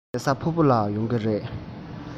རེས གཟའ ཕུར བུ ལ ཡོང གི རེད